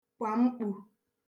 kwà mkpū